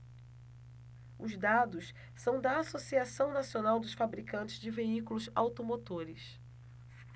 os dados são da anfavea associação nacional dos fabricantes de veículos automotores